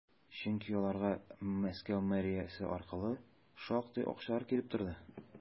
Чөнки аларга Мәскәү мэриясе аркылы шактый акчалар килеп торды.